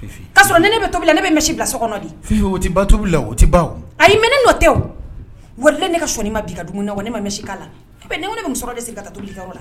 Ka sɔrɔ ne tobi ne bɛ misi bila so kɔnɔ di o tubi o a minɛ ne nɔ tɛ ne ka so ne ma bi ka dugu ne ma misi' la ne ne musokɔrɔba de sigi ka tobili la